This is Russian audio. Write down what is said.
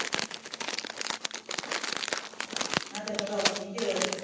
надо пожалуйста не делай этого